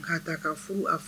' taa ka fo a